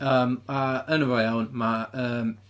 Yym a ynddo fo iawn ma' yym...